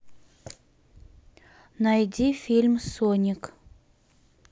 найди фильм соник